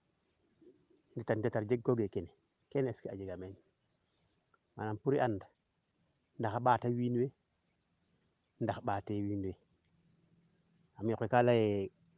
ndeetar jeg kooge kene kene est ce que a jega meen manaam pour i an ndax a ɓaata wiin we ndax ɓaate wiin we yam yok we kaa leyaaye